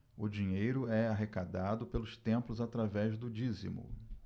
o dinheiro é arrecadado pelos templos através do dízimo